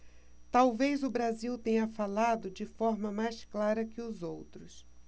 talvez o brasil tenha falado de forma mais clara que os outros